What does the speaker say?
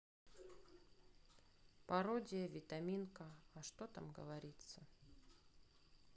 пародия витаминка а что там говорится